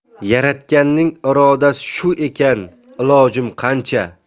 yaratganning irodasi shu ekan ilojimiz qancha